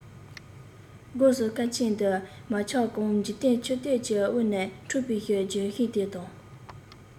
སྒོས སུ སྐལ ཆེན འདི མ ཆགས གོང འཇིག རྟེན ཆུ གཏེར གྱི དབུས ན འཁྲུངས པའི ལྗོན ཤིང དེ དང